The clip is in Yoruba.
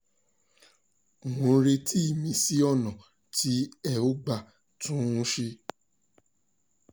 Mo ń retí ìmísí ọ̀nà tí ẹ ó gbà tún un ṣe.